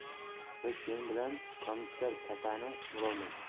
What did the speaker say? biz sen bilan komissar katani bo'lolmaymiz